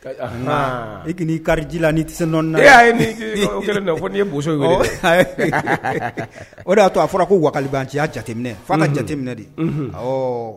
Kay anhan i k'i n'i kari ji la n'i ti se nɔni na dɛ e ayi n'i n'i nɔrɔ o 1 nin na fo n'i ye bosow wele dɛ o de y'a to a fɔra ko wakalibanciya jateminɛ unhun f'a ka jateminɛ de unhun awɔɔ